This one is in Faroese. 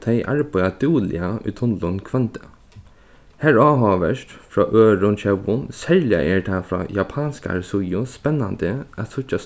tey arbeiða dúgliga í tunlinum hvønn dag har er áhugavert frá øðrum tjóðum serliga er tað frá japanskari síðu spennandi at síggja